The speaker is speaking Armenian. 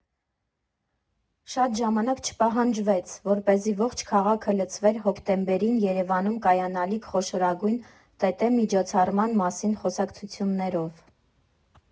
Շատ ժամանակ չպահանջվեց, որպեսզի ողջ քաղաքը լցվեր հոկտեմբերին Երևանում կայանալիք խոշորագույն ՏՏ միջոցառման մասին խոսակցություններով։